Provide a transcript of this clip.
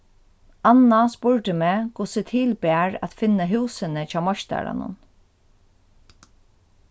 anna spurdi meg hvussu til bar at finna húsini hjá meistaranum